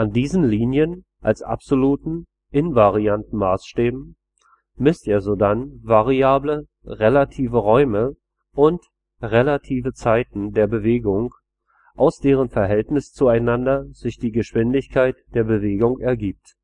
diesen Linien – als absoluten, invarianten Maßstäben – misst er sodann variable „ relative Räume “und „ relative “Zeiten der Bewegung, aus deren Verhältnis zueinander sich die „ Geschwindigkeit “der Bewegung ergibt